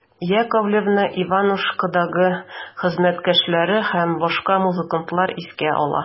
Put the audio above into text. Яковлевны «Иванушки»дагы хезмәттәшләре һәм башка музыкантлар искә ала.